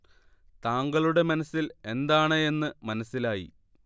താങ്കളുടെ മനസ്സിൽ എന്താണ് എന്ന് മനസ്സിലായി